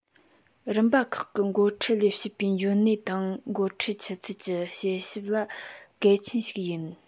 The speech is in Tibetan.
རིམ པ ཁག གི འགོ ཁྲིད ལས བྱེད པའི འཇོན ནུས དང འགོ ཁྲིད ཆུ ཚད ཀྱི དཔྱད ཞིབ གལ ཆེན ཞིག ཡིན